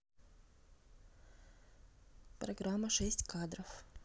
программа шесть кадров